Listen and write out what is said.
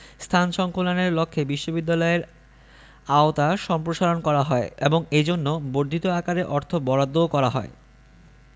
স্থান সংকুলানের লক্ষ্যে বিশ্ববিদ্যালয়ের আওতা সম্প্রসারণ করা হয় এবং এজন্য বর্ধিত আকারে অর্থ বরাদ্দও করা হয়